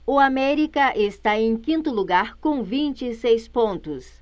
o américa está em quinto lugar com vinte e seis pontos